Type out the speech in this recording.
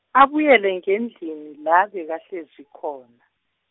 abuyele ngendlini la bekahlezi khona.